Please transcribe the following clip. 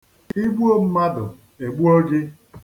I gbuo mmadụ, e gbuo gị.